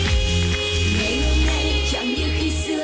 mi in